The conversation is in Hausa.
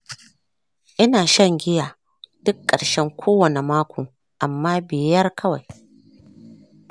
ina shan giya duk ƙarshen mako amma beer kawai.